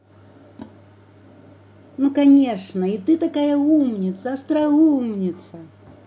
ну конечно и ты такая умница остроумница